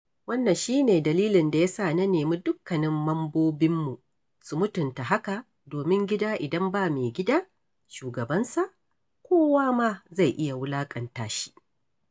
Wannan shi ne dalilin da ya sa na nemi dukkanin mambobinmu su mutunta haka domin gida idan ba maigida (shugabansa) kowa ma zai iya wulaƙanta shi.